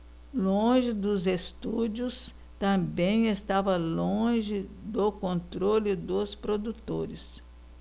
longe dos estúdios também estava longe do controle dos produtores